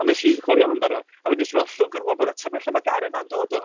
A wnes i chwilio amdano fo, a wedyn wnes i weld, llwgrwobr, a tybed lle ma' gair yna'n dod o?